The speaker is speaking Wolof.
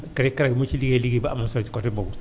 CREC tamit mu ngi ciy liggéey liggéey bu am a am solo côté boobu